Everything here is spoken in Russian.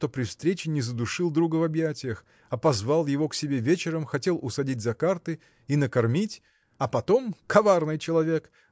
что при встрече не задушил друга в объятиях а позвал его к себе вечером хотел усадить за карты. и накормить. А потом – коварный человек!